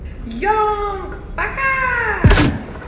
young пока